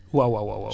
waaw waaw waaw